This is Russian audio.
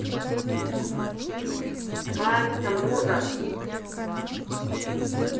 lucky самбурга